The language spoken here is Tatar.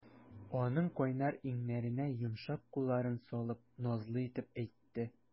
Аның кайнар иңнәренә йомшак кулларын салып, назлы итеп әйтте.